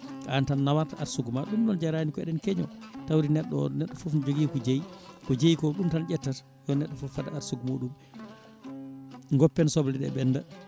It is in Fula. an tan nawata arsugue ma ɗum noon jarani ko eɗen keeño tawde neɗɗo o neɗɗo foof ne jogui ko jeeyi ko jeeyi ko ɗum tan ƴettata yo neɗɗo foof faade arsugue muɗum goppen sobleɗe ɓenda